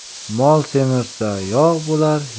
mol semirsa yog' bo'lar